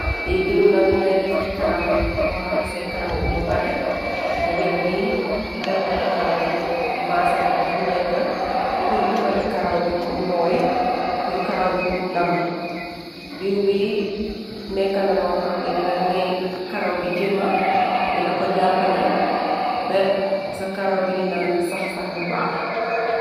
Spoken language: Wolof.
Li diiw la bi ngay def ci karaw booraxase karaw bi ba pare nga jël bi def ko ci karaw bi maasele ko fu nekka pur dimbale karaw bi mu nooy pur karaw bi buum dama diiw bi nekkana loo xamne dina mey karaw bi jema dina ko jàppale be sa karaw bi dina sax-sax bu baax.